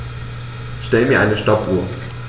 Stell mir eine Stoppuhr.